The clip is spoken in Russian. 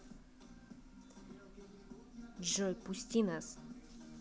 джой пусти нас